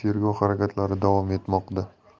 tergov harakatlari davom etmoqda